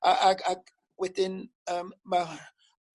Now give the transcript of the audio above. a ag ag wedyn yym ma'